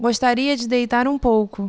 gostaria de deitar um pouco